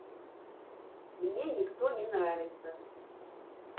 мне никто не нравится